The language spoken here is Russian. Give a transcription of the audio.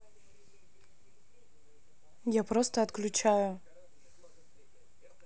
я просто отключаю